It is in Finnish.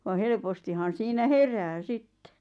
vaan helpostihan siinä herää sitten